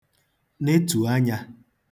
netù anyā